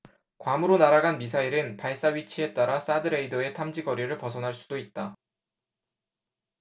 괌으로 날아간 미사일은 발사 위치에 따라 사드 레이더의 탐지거리를 벗어날 수도 있다